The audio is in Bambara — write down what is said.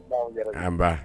Nba o diyara n ye